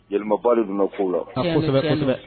Yɛlɛmaba de donna kow la